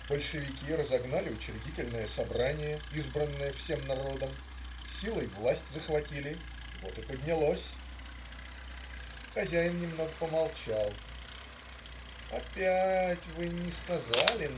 Большевики разогнали Учредительное собрание, избранное всем народом, силой власть захватили - вот и поднялось". Хозяин немного помолчал. "Опять вы не сказали.